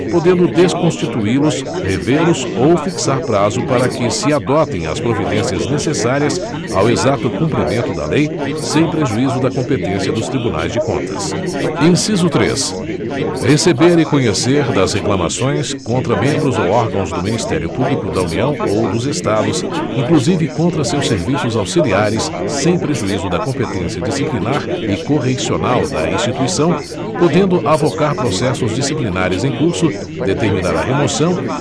podendo desconstituí los revê los ou fixar prazo para que se adotem as providências necessárias ao exato cumprimento da lei sem prejuízo da competência dos tribunais de contas inciso três receber e conhecer das reclamações contra membros ou órgãos do ministério público da união ou dos estados inclusive contra seus serviços auxiliares sem prejuízo da competência disciplinar e correicional da instituição podendo avocar processos disciplinares em curso determinar a remoção